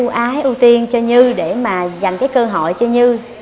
ưu ái ưu tiên cho như để mà dành cái cơ hội cho như